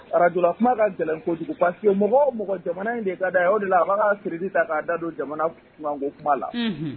Arajla kuma ka gɛlɛn kojugu paseke mɔgɔ mɔgɔ jamana in de ka da o de la a b' ka siridi ta k'a da don jamana kuma kuma la